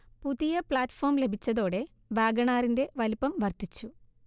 പുതിയ പ്ലാറ്റ്ഫോം ലഭിച്ചതോടെ വാഗണാറിന്റെ വലുപ്പം വർധിച്ചു